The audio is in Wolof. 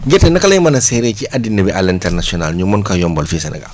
gerte naka lay mën a seeree ci addina bi à l' international ñu mën kaa yombal fii Sénégal